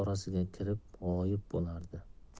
orasiga kirib g'oyib bo'lardi